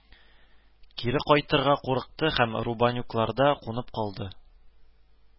Кире кайтырга курыкты һәм Рубанюкларда кунып калды